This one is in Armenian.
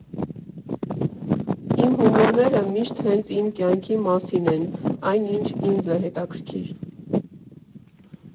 Իմ հումորները միշտ հենց իմ կյանքի մասին են, այն, ինչն ինձ է հետաքրքիր։